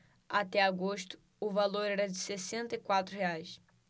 até agosto o valor era de sessenta e quatro reais